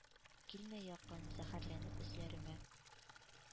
«килмә якын зәһәрләнеп өсләремә!